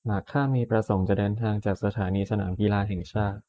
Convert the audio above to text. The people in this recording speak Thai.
หากข้ามีประสงค์จะเดินทางจากสถานีสนามกีฬาแห่งชาติ